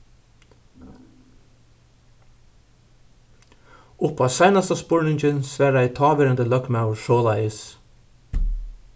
upp á seinasta spurningin svaraði táverandi løgmaður soleiðis